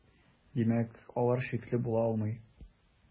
Димәк, алар шикле була алмый.